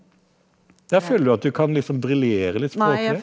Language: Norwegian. ja føler du at du kan liksom briljere litt språklig?